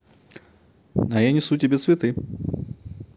а я несу тебе цветы